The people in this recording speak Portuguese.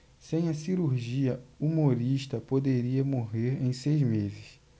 sem a cirurgia humorista poderia morrer em seis meses